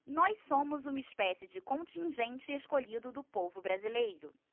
nós somos uma espécie de contingente escolhido do povo brasileiro